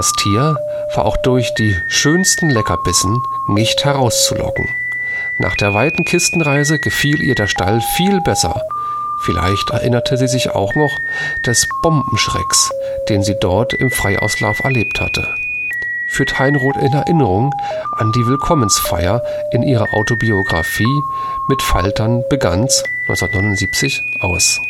Tier war auch durch die schönsten Leckerbissen nicht herauszulocken. Nach der weiten Kistenreise gefiel ihr der Stall viel besser; vielleicht erinnerte sie sich auch noch des Bombenschrecks, den sie dort im Freiauslauf erlebt hatte “, führt Heinroth in Erinnerung an die Willkommensfeier in ihrer Autobiografie Mit Faltern begann’ s (1979) aus